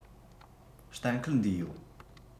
གཏན འཁེལ འདུས ཡོད